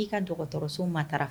I'i ka dɔgɔtɔrɔso mata